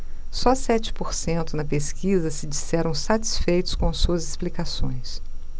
só sete por cento na pesquisa se disseram satisfeitos com suas explicações